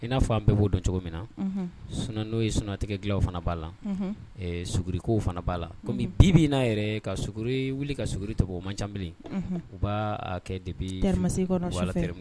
I n'a fɔ an bɛɛ b'o dɔn cogo min na sun'o ye suntigɛ fana b'a la sugurikow fana b'a la bibi n'a yɛrɛ ka suguri wuli ka suguri tɛ o man ca u b'a kɛ debisi kɔnɔ ala terire